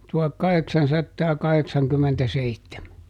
tuhatkahdeksansataakahdeksankymmentäseitsemän